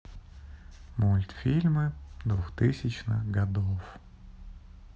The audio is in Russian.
мультфильмы двухтысячных годов